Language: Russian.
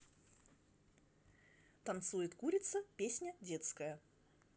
танцует курица песня детская